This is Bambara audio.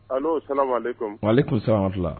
A n'o sɔnna ma mali ale tun san fila